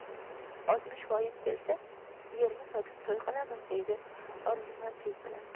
oltmishvoyim kelsa sigirni sotib to'y qilamiz deydi orzumandlik bilan